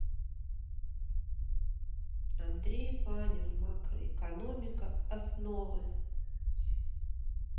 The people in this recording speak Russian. андрей ванин макроэкономика основы